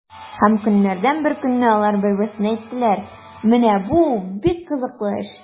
Һәм көннәрдән бер көнне алар бер-берсенә әйттеләр: “Менә бу бик кызыклы эш!”